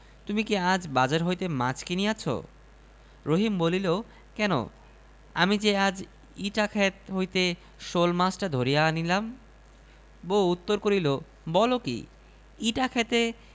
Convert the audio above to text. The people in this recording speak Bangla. তাড়াতাড়ি মনের খুশীতে সে মাছটি লইয়া রহিম শেখের বাড়ির খিড়কি দরজায় আসিল বউ তো আগেই সেখানে আসিয়া দাঁড়াইয়া আছে